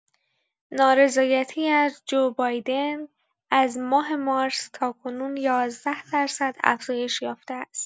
نارضایتی از جو بایدن از ماه مارس تاکنون ۱۱ درصد افزایش یافته است.